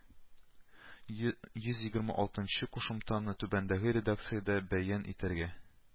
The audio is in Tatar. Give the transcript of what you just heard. Йөз егерме алтынчы кушымтаны түбәндәге редакциядә бәян итәргә